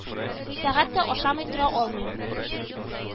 Сәгать тә ашамый тора алмыйм